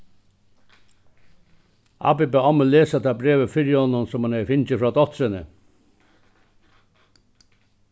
abbi bað ommu lesa tað brævið fyri honum sum hon hevði fingið frá dóttrini